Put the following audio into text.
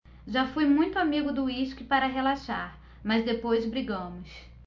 já fui muito amigo do uísque para relaxar mas depois brigamos